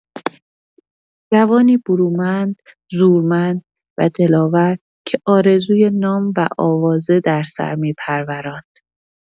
جوانی برومند، زورمند و دلاور که آرزوی نام و آوازه در سر می‌پروراند.